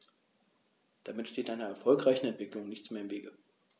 Damit steht einer erfolgreichen Entwicklung nichts mehr im Wege.